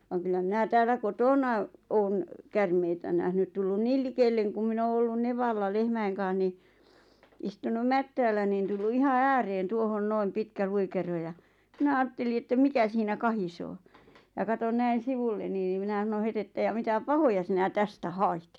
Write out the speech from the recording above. vaan kyllä minä täällä kotona olen käärmeitä nähnyt tullut niin likelle kun minä olen ollut nevalla lehmien kanssa niin istunut mättäällä niin tullut ihan ääreen tuohon noin pitkä luikero ja minä ajattelin että mikä siinä kahisee ja katsoin näin sivulleni no minä sanoin heti että ja mitä pahoja sinä tästä hait